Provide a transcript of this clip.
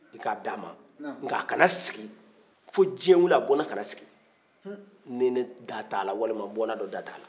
i k'a d'a ma nka a kana sigi fo diɲɛ wili a bɔnna ka na sigi ni ne da t'a la walima n bɔnna dɔ da t'a la